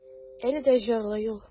Әле дә җырлый ул.